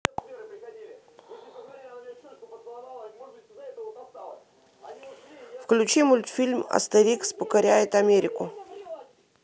включи мультфильм астерикс покоряет америку